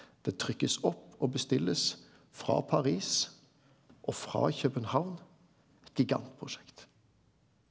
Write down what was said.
det trykkast opp og bestillast frå Paris og frå København eit gigantprosjekt.